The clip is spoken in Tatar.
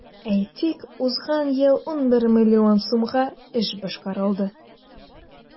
Әйтик, узган ел 11 миллион сумга эш башкарылды.